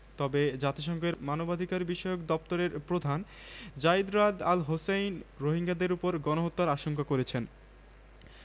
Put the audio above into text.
সেখানে ১০টি কঙ্কাল মিললেও তাদের পরিচয় জানা যায়নি এরপর মিয়ানমার সেনাবাহিনী নিজেই এর তদন্ত শুরু করে তদন্তের ফল অনুযায়ী ইনদিন গ্রামের ওই গণহত্যা সংঘটিত হয়েছে গত ২ সেপ্টেম্বর